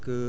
waaw